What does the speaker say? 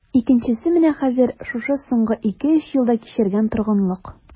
Икенчесе менә хәзер, шушы соңгы ике-өч елда кичергән торгынлык...